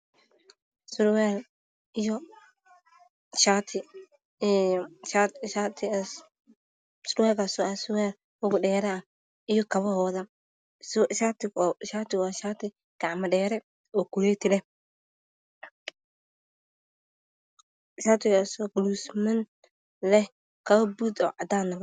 Surwaal iyo shaate surwaalkaas oo ah surwwal luga dheera ah iyo kabahooda shaatugu waa gacmadheere shaatigaasoo sidookale suumanle